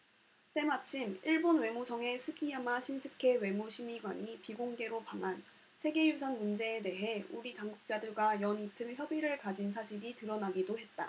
때마침 일본 외무성의 스기야마 신스케 외무심의관이 비공개로 방한 세계유산 문제에 대해 우리 당국자들과 연이틀 협의를 가진 사실이 드러나기도 했다